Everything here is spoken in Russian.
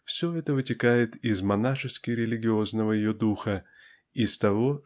--все это вытекает из монашески-религиозного ее духа из того